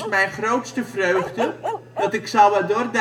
mijn grootste vreugde: dat ik Salvador